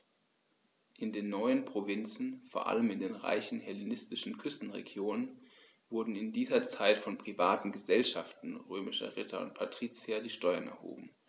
In den neuen Provinzen, vor allem in den reichen hellenistischen Küstenregionen, wurden in dieser Zeit von privaten „Gesellschaften“ römischer Ritter und Patrizier die Steuern erhoben.